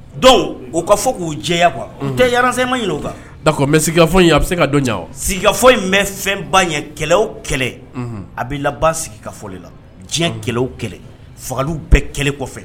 Don u ka fɔ k'u jɛya kuwa u tɛ ma ɲini kan da mɛ skafɔ in a bɛ se ka dɔn ɲa sigikafɔ in bɛ fɛn ba ɲɛ kɛlɛ kɛlɛ a bɛ laban sigi ka fɔ la diɲɛ kɛlɛ kɛlɛ fagaliw bɛɛ kɛlɛ kɔfɛ